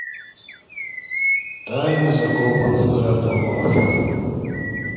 тайны закопанных городов